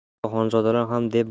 hatto xonzodalar ham deb